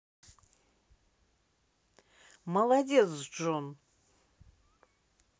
молодец джон